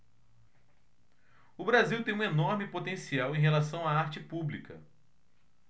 o brasil tem um enorme potencial em relação à arte pública